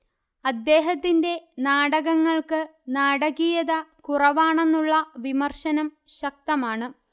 അദ്ദേഹത്തിന്റെ നാടകങ്ങൾക്ക് നാടകീയത കുറവാണെന്നുള്ള വിമർശനം ശക്തമാണ്